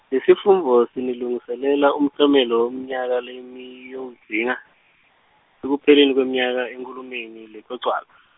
lesifundvo sinilungiselela umklomelo wemnyaka leniyowudzinga, ekupheleni kwemnyaka enkhulumeni lecocwako.